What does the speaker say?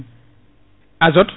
azote